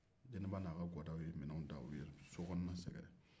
deniba n'a gwadaw ye minɛw ta u ye sokɔnɔna sɛgɛrɛ